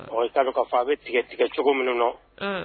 Ɔ i t'a k'a fɔ a bɛ tigɛ tigɛ cogo min na, un